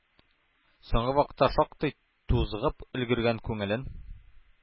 Соңгы вакытта шактый тузгып өлгергән күңелен